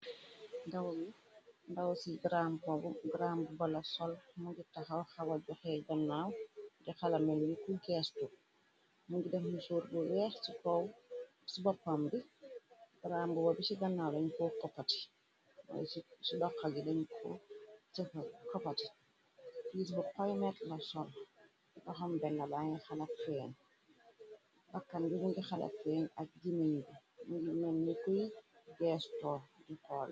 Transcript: Daw ci garambu ba la sol mu ngi taxaw xawa juxee gannaaw di xala mel yi ku gees tu mu ngi dafu suur bu weex ci boppam bi grambuba bi ci gannaaw dañu ko koppati moy ci doxa gi dañu ko coppati piase bu poymate la sol doxam bennabaañ xalat feen bakkam biñu ngi xalab feen ak jimeñ bi mngi men ni kuy gees tor di xool.